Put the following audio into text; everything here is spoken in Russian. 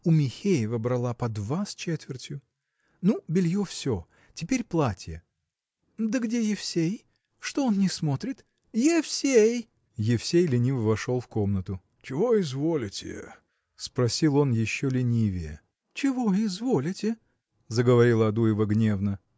У Михеева брала по два с четвертью. Ну, белье все. Теперь платье. Да где Евсей? что он не смотрит? Евсей! Евсей лениво вошел в комнату. – Чего изволите? – спросил он еще ленивее. – Чего изволите? – заговорила Адуева гневно.